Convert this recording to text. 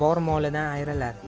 bor molidan ayrilar